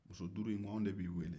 muso duuru in ko an de bɛ k'i wele